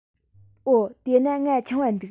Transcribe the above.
འོ དེས ན ང ཆུང བ འདུག